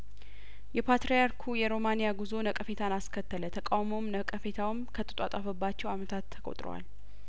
የፓትርያርኩ የሮማን ያጉዞ ነቀፌታን አስከተለተቃውሞውም ነቀፌታውም ከተጧጧፈባቸው አመታት ተቆጥረዋል